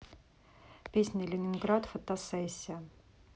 песня ленинграда фотосессия